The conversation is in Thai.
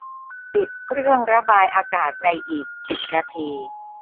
ปิดเครื่องระบายอากาศในอีกสิบนาที